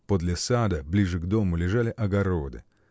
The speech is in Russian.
Подле сада, ближе к дому, лежали огороды.